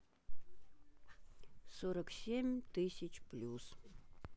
сорок семь тысяч плюс